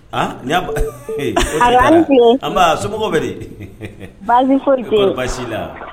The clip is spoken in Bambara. A ni y'a an somɔgɔw bɛ basi baasi la